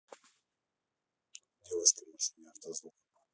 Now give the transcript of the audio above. девушки в машине автозвук